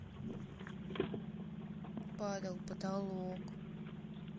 падал потолок